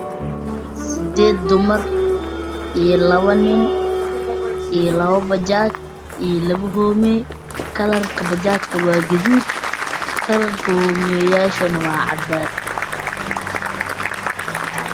Sided dumar iyo labo nin iyo labo bajaj iyo labo homey kalarka bajajka wa gadud kalarka homeyasha wa cadan